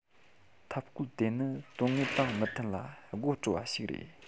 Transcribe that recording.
ཐབས བཀོད དེ ནི དོན དངོས དང མི མཐུན ལ དགོད སྤྲོ བ ཞིག རེད